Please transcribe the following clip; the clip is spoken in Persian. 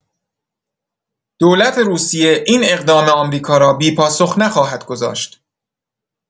دولت روسیه این اقدام آمریکا را بی‌پاسخ نخواهد گذاشت.